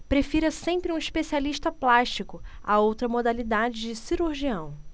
prefira sempre um especialista plástico a outra modalidade de cirurgião